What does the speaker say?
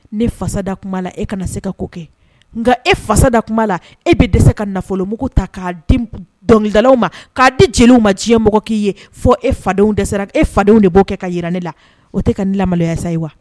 Ne fasa da kuma a la e kana se ka ko kɛ nka e fasa da kuma a la e bɛ dɛsɛ ka nafolo mugu ta'a di dɔnkilisalaw ma k'a di jeliw ma diɲɛ mɔgɔ k'i ye fɔ e fadenw dɛsɛ sera e fadenw de b' kɛ ka yi ne la o tɛ ka laya sa ye wa